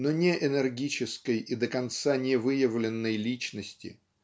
но не энергической и до конца не выявленной личности.